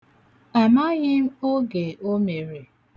Amaghị oge o mere.